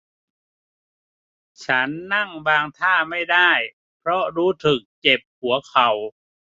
ฉันนั่งบางท่าไม่ได้เพราะรู้สึกเจ็บหัวเข่า